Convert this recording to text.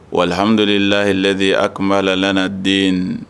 Wahamdu lahiyilɛ de a tunba lalaana den in